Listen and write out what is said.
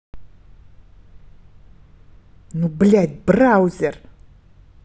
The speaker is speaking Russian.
ну блядь браузер